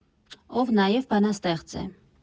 Ով նաև բանաստեղծ է։